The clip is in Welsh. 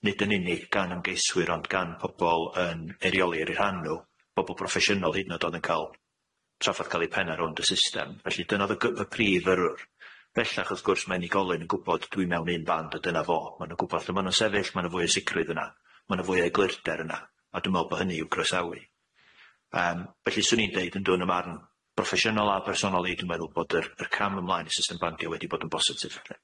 nid yn unig gan ymgeiswyr ond gan pobol yn eilyri'r i rhan n'w bobol broffesiynol hyd yn o'd o'd yn ca'l tra'ffath ca'l eu penna rownd y system felly dyna o'dd y gy- y prif yrwr fellach wrth gwrs mae unigolyn yn gwbod dwi mewn un band a dyna fo ma' nw'n gwbod so ma' nw'n sefyll ma' n'w fwy o sicrwydd yna ma' n'w fwy o eglyrder yna a dwi'n me'wl bo' hynny i'w groesawu yym felly swn i'n deud yndw yn ym marn broffesiynol a personol i dwi'n meddwl bod yr yr cam ymlaen i system bandio wedi bod yn bositif felly.